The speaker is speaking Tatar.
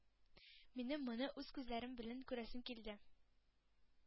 Минем моны үз күзләрем белән күрәсем килде.